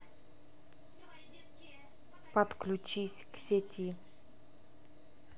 подключись к сети